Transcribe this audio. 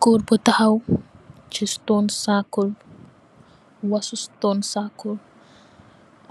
Goor bi daxaw, si "stone circle", Wassu "Stone" circle,